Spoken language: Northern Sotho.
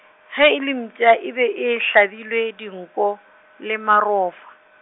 ge e le mpša e be e hlabilwe dinko, le marofa.